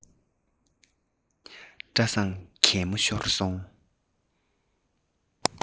བཀྲ བཟང གད མོ ཤོར སོང